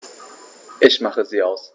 Ich mache sie aus.